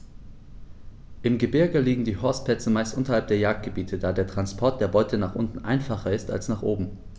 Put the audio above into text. Im Gebirge liegen die Horstplätze meist unterhalb der Jagdgebiete, da der Transport der Beute nach unten einfacher ist als nach oben.